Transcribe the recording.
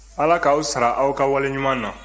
ala k'aw sara aw ka waleɲuman na